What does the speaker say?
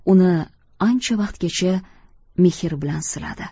uni ancha vaqtgacha mehr bilan siladi